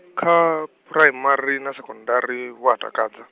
kha, phuraimari na sekondari hu a takadza.